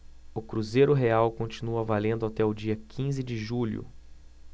o cruzeiro real continua valendo até o dia quinze de julho